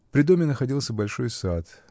При доме находился большой сад